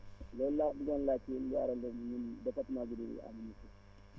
loolu laa buggoon laajte lu waraloon ñun département Goudiri bi amuñu ko